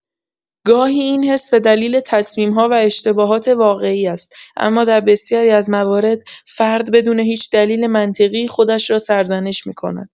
گاهی این حس به‌دلیل تصمیم‌ها و اشتباهات واقعی است، اما در بسیاری از موارد، فرد بدون هیچ دلیل منطقی خودش را سرزنش می‌کند.